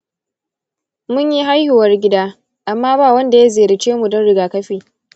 mun yi haihuwar gida, amma ba wanda ya ziyarcemu don rigakafi.